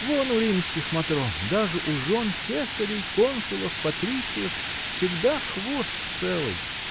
— Вон у римских матрон, даже у жен кесарей, консулов, патрициев, — всегда хвост целый.